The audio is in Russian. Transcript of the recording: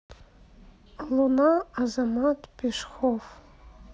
луна азамат пешхов